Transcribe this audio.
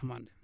amande